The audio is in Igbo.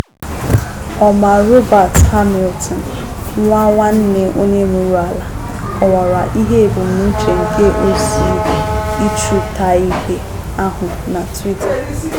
Omar Robert Hamilton, nwa nwanne onye mụrụ Alaa, kọwara ihe ebumnuche nke oziịchụntaihe ahụ na Twitter: